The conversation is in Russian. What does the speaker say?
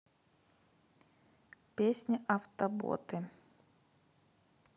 песня автоботы